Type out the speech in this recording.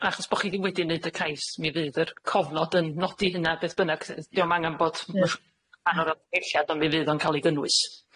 Achos bo' chi ddim wedi neud y cais, mi fydd yr cofnod yn nodi hynna beth bynnag. D- yy 'di o'm angan bod... Ia... rhan o'r anghymhelliad, ond mi fydd o'n ca'l 'i gynnwys.